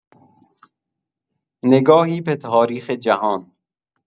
نگاهی به‌تاریخ جهان